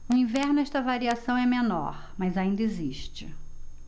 no inverno esta variação é menor mas ainda existe